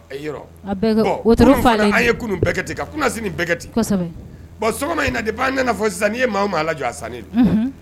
Ye kun bɛɛkɛ ten kun nin bɛɛkɛ ten in na de' an nana sisan' ye maa ma ala jɔ asan